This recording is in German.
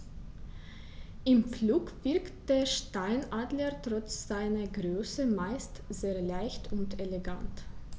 Im Flug wirkt der Steinadler trotz seiner Größe meist sehr leicht und elegant.